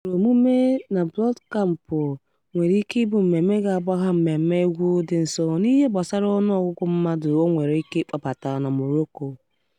O kwere omume na Blog Camp nwere ike ịbụ mmemme ga-agbagha Mmemme Egwu Dị Nsọ n'ihe gbasara ọnụọgụgụ mmadụ o nwere ike ịkpọbata na Morocco.